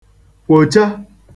kwòcha